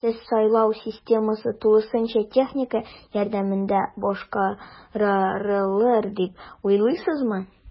Сез сайлау системасы тулысынча техника ярдәмендә башкарарылыр дип уйлыйсызмы?